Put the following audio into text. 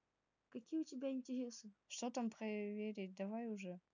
что там проверить давай уже